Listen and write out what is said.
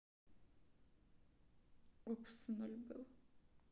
упс ноль был